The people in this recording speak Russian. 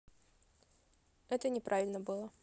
это не правильно было